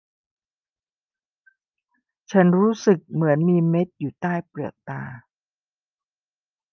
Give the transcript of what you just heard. ฉันรู้สึกเหมือนมีเม็ดอยู่ใต้เปลือกตา